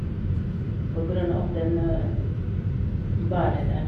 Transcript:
På grunn av den været der.